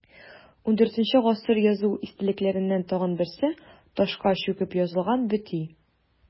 ХIV гасыр язу истәлекләреннән тагын берсе – ташка чүкеп язылган бөти.